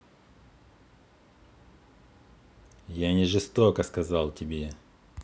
я не жестоко сказал тебе